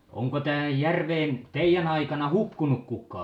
onko tähän järveen teidän aikana hukkunut kukaan